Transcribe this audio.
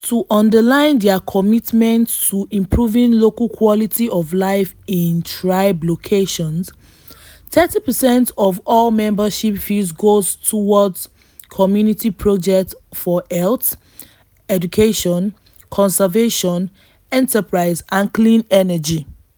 To underline their commitment to improving local quality of life in “tribe” locations, 30% of all membership fees go towards community projects for health, education, conservation, enterprise and clean energy.